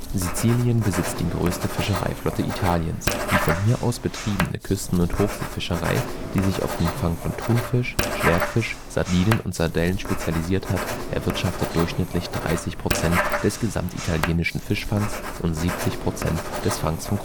Sizilien besitzt die größte Fischereiflotte Italiens. Die von hier aus betriebene Küsten - und Hochseefischerei, die sich auf den Fang von Thunfische, Schwertfisch, Sardinen und Sardellen spezialisiert hat, erwirtschaftet durchschnittlich 30 % des gesamtitalienischen Fischfangs und 70 % des Fangs von